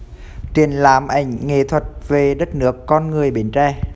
triển lãm ảnh nghệ thuật về đất nước con người bến tre